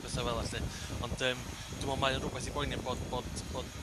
petha' fela 'llu ond yym dwi me'l mae on r'wbath i boeni o'n bo bod